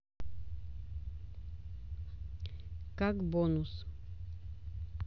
как бонус